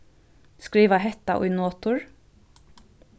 skriva hetta í notur